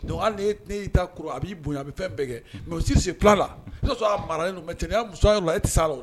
Dɔnku y' ta a b'i bonya a bɛ fɛn bɛɛ kɛ mɛ si sen la mɛya muso yɔrɔ la i tɛ sa' la